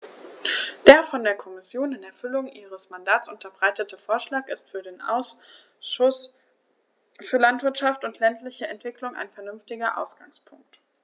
Der von der Kommission in Erfüllung ihres Mandats unterbreitete Vorschlag ist für den Ausschuss für Landwirtschaft und ländliche Entwicklung ein vernünftiger Ausgangspunkt.